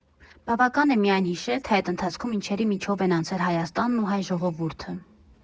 Բավական է միայն հիշել, թե այդ ընթացքում ինչերի միջով են անցել Հայաստանն ու հայ ժողովուրդը։